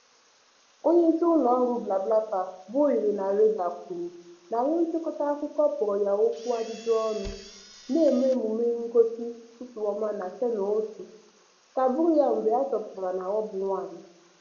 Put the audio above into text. Onye isi ụlọọrụ BlaBlaCar bụ Irina Reyder kwuru na onye nchịkọta akụkọ kpọrọ ya oku ajụjụọnụ n'emume ngosi Good Morning na Channel One kagburu ya mgbe ha chọpụtara na ọ bụ nwaanyị.